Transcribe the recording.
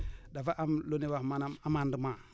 dafa am lu ñuy wax maanaam amandement